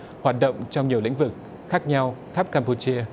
hoạt động trong nhiều lĩnh vực khác nhau khắp cam pu chia